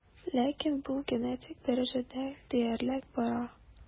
Ләкин бу генетик дәрәҗәдә диярлек бара.